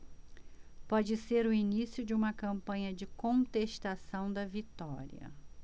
pode ser o início de uma campanha de contestação da vitória